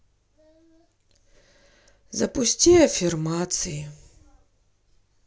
запусти аффирмации